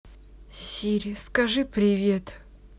сири скажи привет